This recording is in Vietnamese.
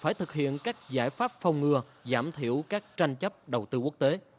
phải thực hiện các giải pháp phòng ngừa giảm thiểu các tranh chấp đầu tư quốc tế